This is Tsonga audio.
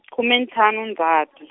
khume ntlhanu Ndzhati.